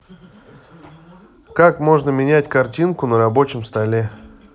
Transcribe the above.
как можно менять картинку на рабочем столе